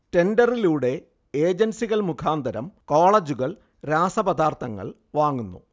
ടെൻഡറിലൂടെ ഏജൻസികൾ മുഖാന്തരം കോളേജുകൾ രാസപദാർത്ഥങ്ങൾ വാങ്ങുന്നു